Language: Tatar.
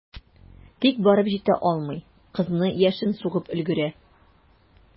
Тик барып җитә алмый, кызны яшен сугып өлгерә.